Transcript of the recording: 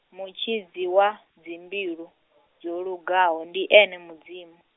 mutshidzi wa, dzimbilu, dzolugaho ndi ene Mudzimu.